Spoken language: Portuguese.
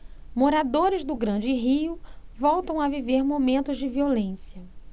moradores do grande rio voltam a viver momentos de violência